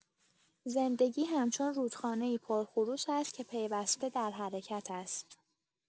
زندگی همچون رودخانه‌ای پرخروش است که پیوسته در حرکت است.